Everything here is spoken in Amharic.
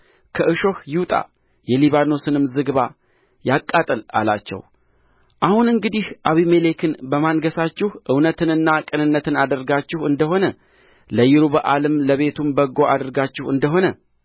ከእሾህ ይውጣ የሊባኖስንም ዝግባ ያቃጥል አላቸው አሁን እንግዲህ አቤሜሌክን በማንገሣችሁ እውነትንና ቅንነትን አድርጋችሁ እንደ ሆነ ለይሩበኣልም ለቤቱም በጎ አድርጋችሁ እንደ ሆነ